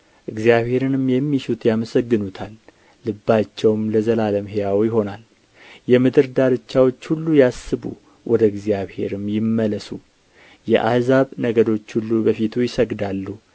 እግዚአብሔርንም የሚሹት ያመሰግኑታል ልባቸውም ለዘላለም ሕያው ይሆናል የምድር ዳርቻዎች ሁሉ ያስቡ ወደ እግዚአብሔርም ይመለሱ የአሕዛብ ነገዶች ሁሉ በፊቱ ይሰግዳሉ